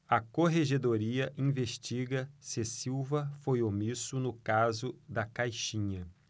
a corregedoria investiga se silva foi omisso no caso da caixinha